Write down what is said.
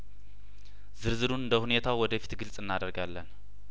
ዝርዝሩን እንደሁኔታው ወደፊት ግልጽ እናደርጋለን